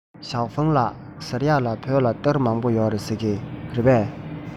ཞའོ ཧྥུང ལགས ཟེར ཡས ལ བོད ལ གཏེར མང པོ ཡོད རེད ཟེར གྱིས རེད པས